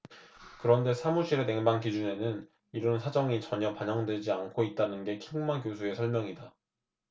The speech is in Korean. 그런데 사무실의 냉방기준에는 이런 사정이 전혀 반영되지 않고 있다는 게 킹마 교수의 설명이다